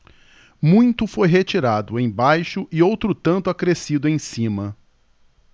muito foi retirado embaixo e outro tanto acrescido em cima